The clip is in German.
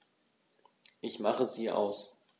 Ich mache sie aus.